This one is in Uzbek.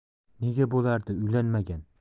nega bo'lardi uylanmagan